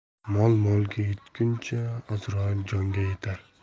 mol molga yetguncha azroil jonga yetar